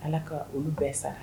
Ala ka olu bɛɛ sara